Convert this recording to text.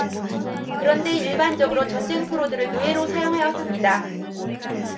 그런데 일반적으로 전쟁 포로들을 노예로 사용하였습니다